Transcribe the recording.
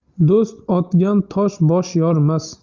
do'st otgan tosh bosh yormas